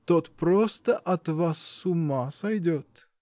тот просто от вас с ума сойдет.